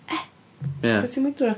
E? Be ti'n mwydro?